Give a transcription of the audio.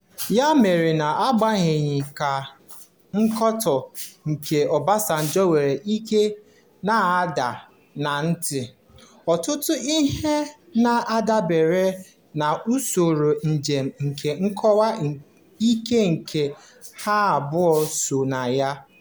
Ya mere, na-agbanyeghị ka nkatọ nke Obasanjo nwere ike na-ada na ntị, ọtụtụ ihe na-adabere n’usoro njem nke ọkwa ike nke ha abụọ so na ya.